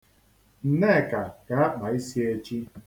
Nneka ga-akpa isi echi.